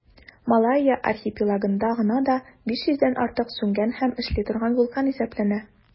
Малайя архипелагында гына да 500 дән артык сүнгән һәм эшли торган вулкан исәпләнә.